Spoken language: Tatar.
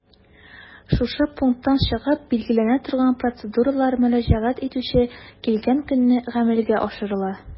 Шушы пункттан чыгып билгеләнә торган процедуралар мөрәҗәгать итүче килгән көнне гамәлгә ашырыла.